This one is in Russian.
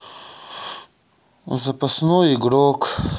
запасной игрок